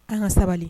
An ka sabali